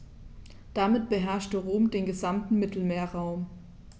Damit beherrschte Rom den gesamten Mittelmeerraum.